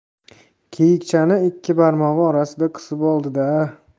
qiyiqchani ikki barmog'i orasida qisib ushladi da